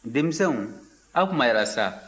denmisɛnw aw kunbayara sa